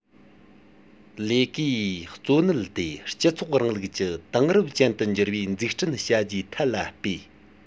ལས ཀའི གཙོ གནད དེ སྤྱི ཚོགས རིང ལུགས ཀྱི དེང རབས ཅན དུ འགྱུར བའི འཛུགས སྐྲུན བྱ རྒྱུའི ཐད ལ སྤོས